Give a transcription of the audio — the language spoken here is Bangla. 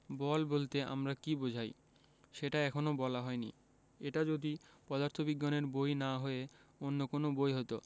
বল বলতে আমরা কী বোঝাই সেটা এখনো বলা হয়নি এটা যদি পদার্থবিজ্ঞানের বই না হয়ে অন্য কোনো বই হতো